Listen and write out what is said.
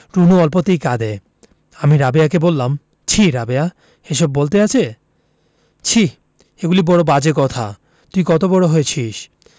রুনু অল্পতেই কাঁদে আমি রাবেয়াকে বললাম ছিঃ রাবেয়া এসব বলতে আছে ছিঃ এগুলি বড় বাজে কথা তুই কত বড় হয়েছিস